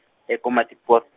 e- Komatipoort.